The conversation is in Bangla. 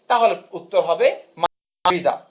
তাহলে উত্তর হবে মাদার তেরেসা